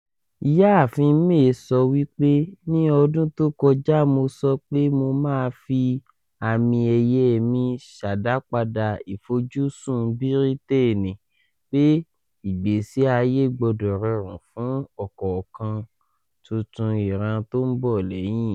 Ìyáàfin May sọ wípé: "Ní ọdún tó kọjá mo sọ pé mo má fí àmì ẹ̀yẹ mi ṣàdápadà ìfojúsùn Bírítéènì - pé ìgbésí ayé gbọ́dọ̀ rọrùn fún ọ̀kọ̀ọ̀kan túntun ìran tó ń bọ̀ lẹ́yìn.